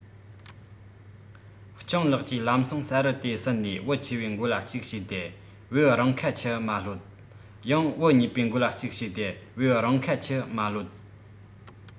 སྤྱང ལགས ཀྱིས ལམ སེང བཟའ རུ དེ ཟིན ནས བུ ཆེ བའི མགོ ལ གཅིག ཞུས ཏེ བེའུ རང ཁ ཆུ མ གློད ཡང བུ གཉིས པའི མགོ ལ གཅིག ཞུས ཏེ བེའུ རང ཁ ཆུ མ གློད